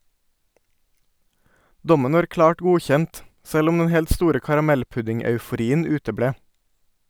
Dommen var klart godkjent , selv om den helt store karamellpudding-euforien uteble.